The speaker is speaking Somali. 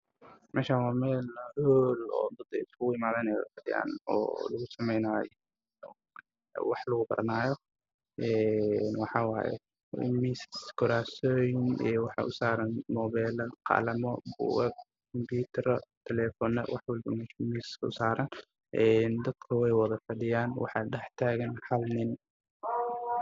Waa howl waxaa isku imaaday dad fara badan waxa ay ka kooban yihiin niman iyo naago kuraas ilmihiisa ay ku fadhiyaan